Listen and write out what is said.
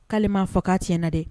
Kale ma fɔ ka tiɲɛna dɛ.